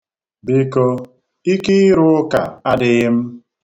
Biko, ike ịrụ ụka adịghị m.